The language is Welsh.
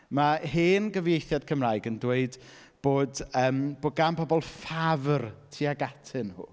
Ma' hen gyfeithiad Cymraeg yn dweud bod yym bod "gan bobl ffafr tuag atyn nhw".